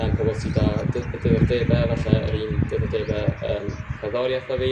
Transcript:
yym pobol sy' 'da diddordebe falle yr un diddordebe yym cerddoriaeth a fi